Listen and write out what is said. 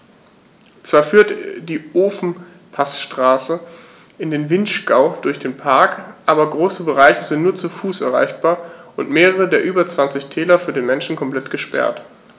Zwar führt die Ofenpassstraße in den Vinschgau durch den Park, aber große Bereiche sind nur zu Fuß erreichbar und mehrere der über 20 Täler für den Menschen komplett gesperrt.